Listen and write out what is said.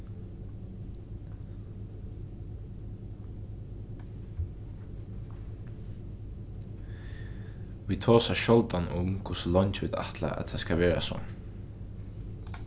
vit tosa sjáldan um hvussu leingi vit ætla at tað skal vera so